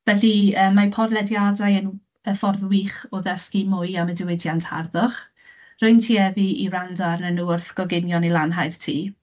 Felly, yy, mae podlediadau yn y ffordd wych o ddysgu mwy am y diwydiant harddwch, rwy'n tueddu i wrando arnyn nhw wrth goginio neu lanhau'r tŷ.